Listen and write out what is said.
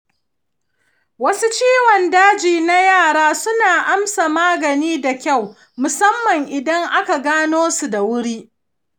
wasu ciwon daji na yara suna amsa magani da kyau, musamman idan aka gano su da wuri